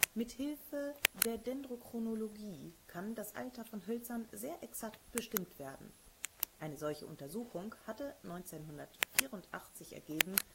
Mithilfe der Dendrochronologie kann das Alter von Hölzern sehr exakt bestimmt werden. Eine solche Untersuchung hatte 1984 ergeben